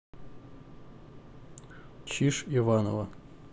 чиж иваново